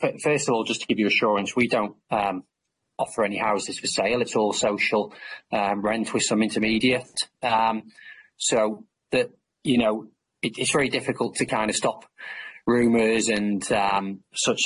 f- f- first of all just to give you assurance we don't yym offer any houses for sale it's all social yym rent with some intermediate yym so the you know it's very difficult to kind of stop rumours and um such